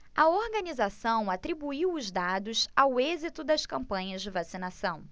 a organização atribuiu os dados ao êxito das campanhas de vacinação